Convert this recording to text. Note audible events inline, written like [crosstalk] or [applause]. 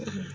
[hesitation] [hesitation]